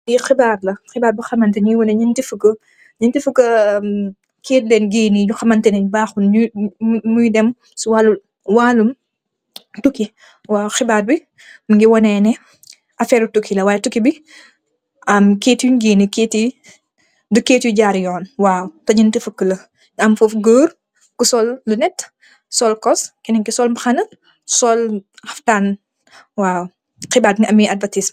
Li xibarr la xibarr pur askan bila munge am keyet yunj genneh munge waneh xibarr ri tokila munge am goor bu sul lunet kena ki munge sul mbakhana hibarr bi mugeh ammeh advertisment.